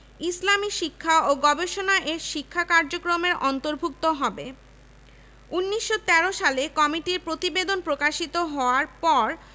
ইসলামী শিক্ষা ও গবেষণা এর শিক্ষা কার্যক্রমের অন্তর্ভুক্ত হবে ১৯১৩ সালে কমিটির প্রতিবেদন প্রকাশিত হওয়ার পর